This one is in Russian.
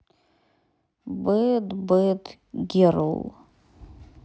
бэд бэд герл